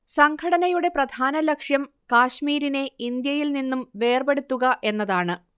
സംഘടനയുടെ പ്രധാനലക്ഷ്യം കാശ്മീരിനെ ഇന്ത്യയിൽ നിന്നും വേർപെടുത്തുക എന്നതാണ്